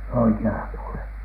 oikealla puolen